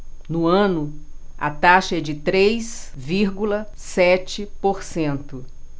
no ano a taxa é de três vírgula sete por cento